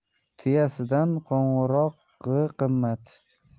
tuyasidan qo'ng'irog'i qimmat